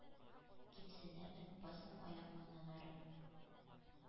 Кимсенәмен, басмыйм аяк моннан ары